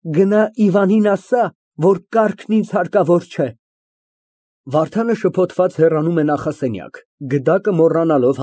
Սպասում են հրամանի։ ՌՈԶԱԼԻԱ ֊ (Բաց է անում թղթարկղը, դուրս է բերում ահագին կարմիր փետուրով մի սպիտակ գլխարկ և հիացած նայում)։